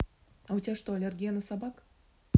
а у тебя что аллергия на собак